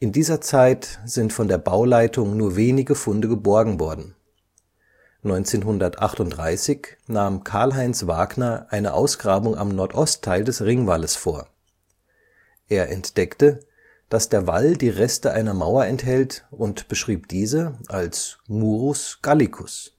dieser Zeit sind von der Bauleitung nur wenige Funde geborgen worden. 1938 nahm Karl-Heinz Wagner eine Ausgrabung am Nordostteil des Ringwalles vor. Er entdeckte, dass der Wall die Reste einer Mauer enthält, und beschrieb diese als Murus Gallicus